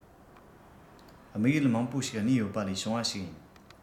དམིགས ཡུལ མང པོ ཞིག གནས ཡོད པ ལས བྱུང བ ཞིག ཡིན